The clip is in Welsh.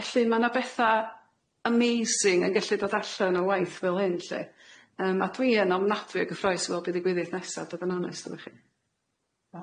Felly ma' 'na betha ymeising yn gellu dod allan o waith fel hyn lly yym a dwi yn ofnadwy o gyffrous wel' be ddigwyddith nesa' fod yn onest efo chi.